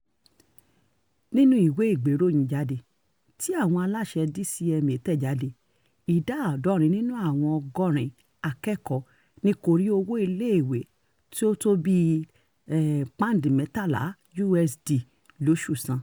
Nínú ìwé ìgbéròyìnjáde tí àwọn aláṣẹ DCMA tẹ̀ jáde, ìdá àádọ́rin nínú àwọn ọgọ́rin akẹ́kọ̀ọ́ ni kò rí owó iléèwé wọn tí ó tó bíi $13 USD lóṣù san.